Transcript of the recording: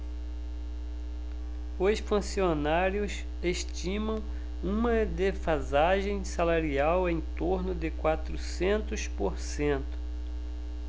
os funcionários estimam uma defasagem salarial em torno de quatrocentos por cento